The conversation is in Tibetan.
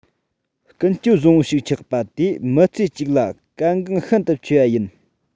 ཀུན སྤྱོད བཟང པོ ཞིག ཆགས པ དེ མི ཚེ གཅིག ལ གལ འགངས ཤིན ཏུ ཆེ བ ཡིན